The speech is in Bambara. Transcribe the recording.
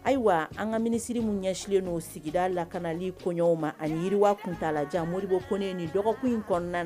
Ayiwa an ka minisiriri min ɲɛslen n'o sigida lakanali kɔɲɔgɔnw ma ani yiriiriwa kun'a la jan moribɔknen nin dɔgɔkun in kɔnɔna na